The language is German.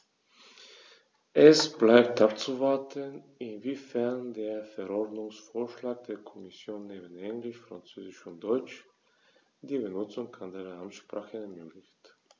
Es bleibt abzuwarten, inwiefern der Verordnungsvorschlag der Kommission neben Englisch, Französisch und Deutsch die Benutzung anderer Amtssprachen ermöglicht.